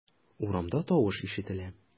Урамда тавыш ишетелә.